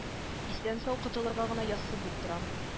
Исән-сау котылырга гына язсын дип торам